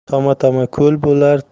toma toma ko'l bo'lar